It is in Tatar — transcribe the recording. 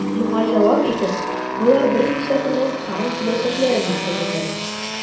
Моңа җавап итеп, болар берничә көннән тагын киләчәкләрен белдерделәр.